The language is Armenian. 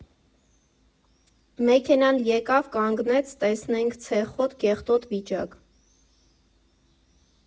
Մեքենան եկավ, կանգնեց, տեսնենք՝ ցեխոտ, կեղտոտ վիճակ։